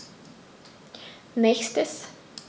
Nächstes.